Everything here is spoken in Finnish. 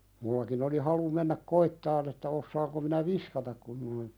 minullakin oli halu mennä koettamaan että osaanko minä viskata kun noin